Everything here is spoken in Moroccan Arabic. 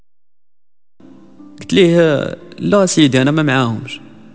لا سيدي انا ما معاهم